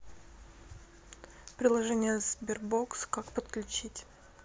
приложение sberbox как подключить